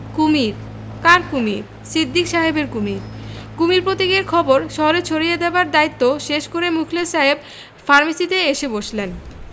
কুমীর কার কুমীর সিদ্দিক সাহেবের কুমীর কুমীর প্রতীকের খবর শহরে ছড়িয়ে দেবার দায়িত্ব শেষ করে মুখলেস সাহেব ফার্মেসীতে এসে বসলেন